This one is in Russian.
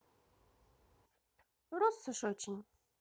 россошь очень